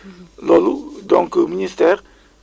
ñoom tamit am nañ seen carte variétale muy ci gerte gi la